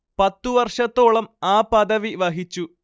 പത്തു വർഷത്തോളം ആ പദവി വഹിച്ചു